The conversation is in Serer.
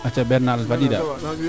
aca Bernard fadida nam fio